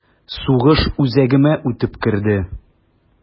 Сугыш үзәгемә үтеп керде...